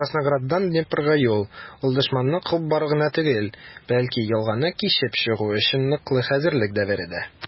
Краснограддан Днепрга юл - ул дошманны куып бару гына түгел, бәлки елганы кичеп чыгу өчен ныклы хәзерлек дәвере дә.